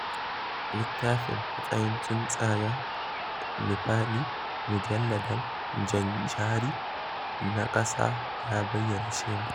Littafin Matsayin Tsuntsayen Nepali: Mujalladan Jan Jeri Na ƙasa ya bayyana cewa: